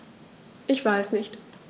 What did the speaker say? Ich weiß nicht.